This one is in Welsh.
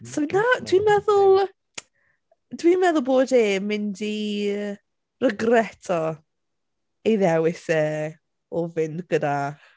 So dyna dwi'n meddwl... dwi'n meddwl bod e'n mynd i regretio ei ddewis e o fynd gyda...